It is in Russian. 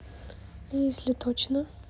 а если точно